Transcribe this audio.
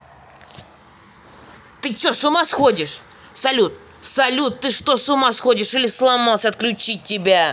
ты че с ума сходишь салют салют ты что с ума сходишь или сломался отключить тебя